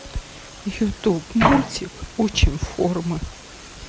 ютуб мультик учим формы